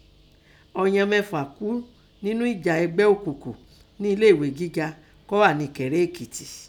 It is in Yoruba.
Ọ̀nìyàn mẹ́fà kú ńnú ẹ̀jà ẹgbẹ́ òkùnkùn nẹ́ elé ẹ̀ghé gẹga kọ́ hà nẹkẹrẹ Ekiti